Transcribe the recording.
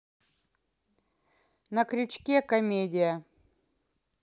на крючке комедия